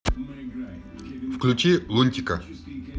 включи лунтика